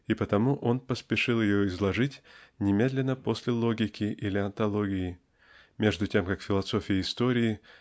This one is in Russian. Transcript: и потому он поспешил ее изложить немедленно после логики или онтологии между тем как философия истории